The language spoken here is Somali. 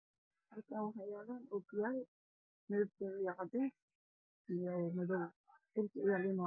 Halkaan waxaa yaalo ookiyaalo midabkoodu uu yahay cadaan iyo madow, meesha uu yaalana waa cadaan.